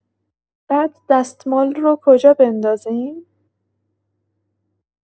بعد دستمال رو کجا بندازیم؟